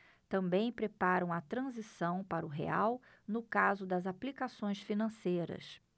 também preparam a transição para o real no caso das aplicações financeiras